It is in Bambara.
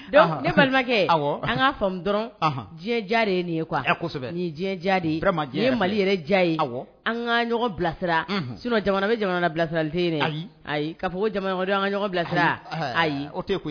Donc ne balimakɛ an k'a famu dɔrɔn diɲɛ diya de ye nin ye quoi kosɛbɛ nin diɲɛ diya de ye vraiment nin ye Mali yɛrɛ diya ye an ka ɲɔgɔn bilasira sinon jamana bɛ jamana na bilasirali tɛ ye dɛ ayi ka fɔ ko jamana kɔnɔndenw an ka ɲɔgɔn bilasira ayi o tɛ koyi.